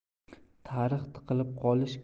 tarix tiqilib qolish